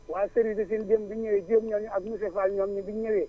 waa service de fii démb bi ñu ñëwee Diène ñooñu ak monsieur Fall ñooñu bi ñu ñëwee